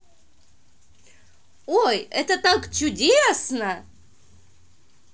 ой это так чудесно